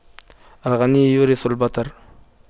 الغنى يورث البطر